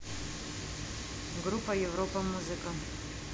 группа европа музыка